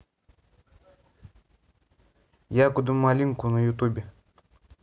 ягоду малинку на ютубе